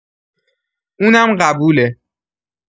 اونم قبوله.